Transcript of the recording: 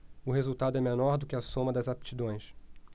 o resultado é menor do que a soma das aptidões